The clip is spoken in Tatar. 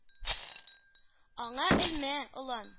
- аңа элмә, олан.